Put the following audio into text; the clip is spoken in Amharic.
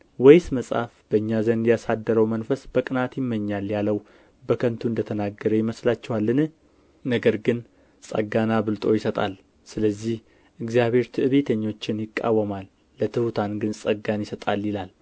ወይስ መጽሐፍ በእኛ ዘንድ ያሳደረው መንፈስ በቅንዓት ይመኛል ያለው በከንቱ እንደ ተናገረ ይመስላችኋልን ነገር ግን ጸጋን አብልጦ ይሰጣል ስለዚህ እግዚአብሔር ትዕቢተኞችን ይቃወማል ለትሑታን ግን ጸጋን ይሰጣል ይላል